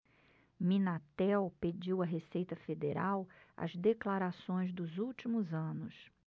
minatel pediu à receita federal as declarações dos últimos anos